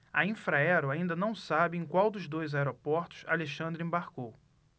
a infraero ainda não sabe em qual dos dois aeroportos alexandre embarcou